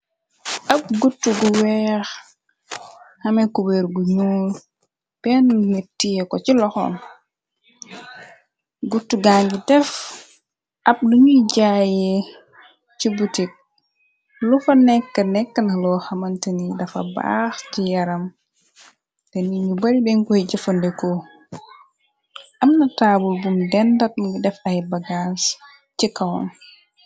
Ab gut gu weex amekubeer gu ñuo penn nitte ko ci loxoon gutu gangi def ab luñuy jaayee ci butik lu fa nekk nekkna loo xamante ni dafa baax ci yaram te nit ñu bari benkoy jëfandekoo amna taabul bum denn datngi def ay bagaas ci kawoon.